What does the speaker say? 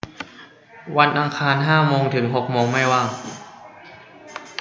วันอังคารห้าโมงถึงหกโมงไม่ว่าง